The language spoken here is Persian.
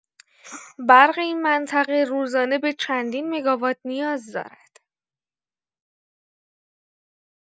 برق این منطقه روزانه به چندین مگاوات نیاز دارد.